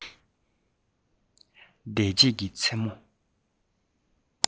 འདས རྗེས ཀྱི མཚན མོ